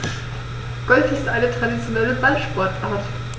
Golf ist eine traditionelle Ballsportart.